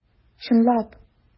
Чынлап!